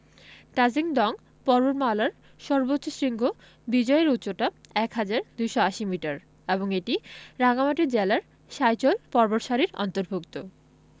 তাজিং ডং পর্বতমালার সর্বোচ্চ শৃঙ্গ বিজয় এর উচ্চতা ১হাজার ২৮০ মিটার এবং এটি রাঙ্গামাটি জেলার সাইচল পর্বতসারির অন্তর্ভূক্ত